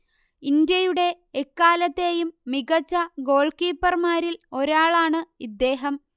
ഇന്ത്യയുടെ എക്കാലത്തെയും മികച്ച ഗോൾ കീപ്പർമാരിൽ ഒരാളാണ് ഇദ്ദേഹം